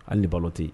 Hali ni balo tɛ yen